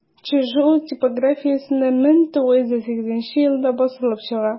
Чижова типографиясендә 1908 елда басылып чыга.